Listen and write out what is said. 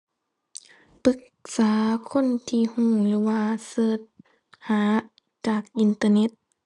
ปรึกษาคนที่รู้หรือว่าเสิร์ชหาจากอินเทอร์เน็ต